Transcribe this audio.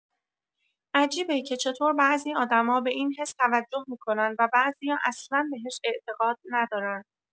عجیبه که چطور بعضی آدما به این حس توجه می‌کنن و بعضیا اصلا بهش اعتقاد ندارن.